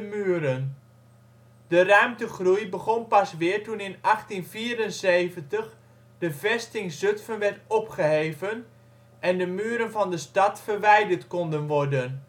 muren. De ruimtegroei begon pas weer toen in 1874 de vesting Zutphen werd opgeheven, en de muren om de stad verwijderd konden worden.